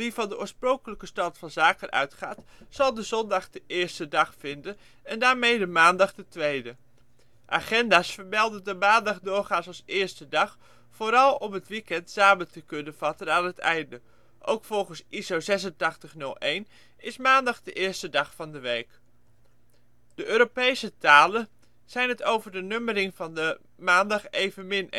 van de oorspronkelijke stand van zaken uitgaat, zal de zondag de eerste dag vinden, en daarmee de maandag de tweede. Agenda 's vermelden de maandag doorgaans als eerste dag, vooral ook om het weekeinde samen te kunnen vatten aan het einde. Ook volgens ISO 8601 is maandag de eerste dag van de week. De Europese talen zijn het over de nummering van de maandag evenmin